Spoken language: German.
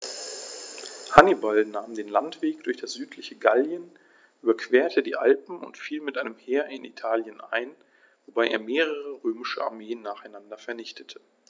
Hannibal nahm den Landweg durch das südliche Gallien, überquerte die Alpen und fiel mit einem Heer in Italien ein, wobei er mehrere römische Armeen nacheinander vernichtete.